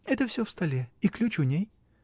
— Это всё в столе — и ключ у ней.